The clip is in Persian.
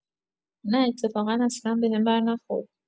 نه اتفاقا اصلا بهم بر نخورد!